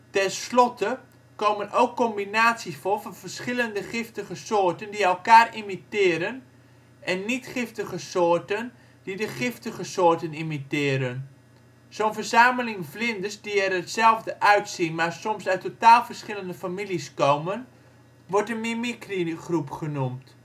Tenslotte komen ook combinaties voor van verschillende giftige soorten die elkaar imiteren, en niet giftige soorten die de giftige soorten imiteren. Zo 'n verzameling vlinders die er hetzelfde uitzien maar soms uit totaal verschillende families komen wordt een mimicrygroep genoemd